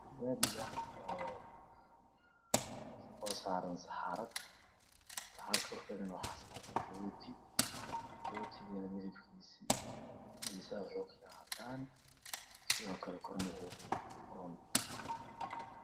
Gaariga oo saaran saxaro. Saxarada korkeedana waxaa saran rooti rootigana midabkiisa geesaha wuxuu ka yahay cadaan sidoo kale korna wuxuu ka yahay barown